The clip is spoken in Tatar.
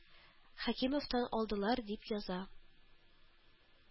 Хәкимовтан алдылар, дип яза